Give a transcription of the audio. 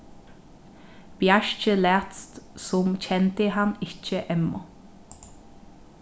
bjarki lætst sum kendi hann ikki emmu